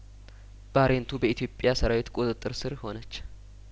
ባሬንቱ በኢትዮጵያ ሰራዊት ቁጥጥር ስር ሆነች